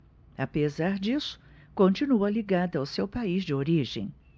apesar disso continua ligado ao seu país de origem